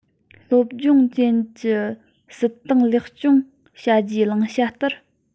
སློབ སྦྱོང ཅན གྱི སྲིད ཏང ལེགས སྐྱོང བྱ རྒྱུའི བླང བྱ ལྟར